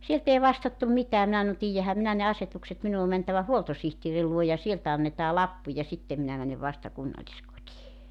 sieltä ei vastattu mitään minä sanoin tiedänhän minä ne asetukset minun on mentävä huoltosihtierin luo ja sieltä annetaan lappu ja sitten minä menen vasta kunnalliskotiin